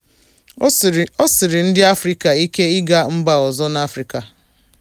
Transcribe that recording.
O siiri ndị Afrịka ike ịga mba ọzọ n'Afrịka — n'otu aka ahụ, o sịkwara ike nke ukwuu ịga kọntinent ọzọ.